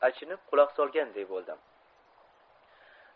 men achinib quloq solganday bo'ldim